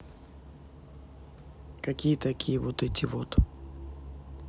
какие такие вот эти вот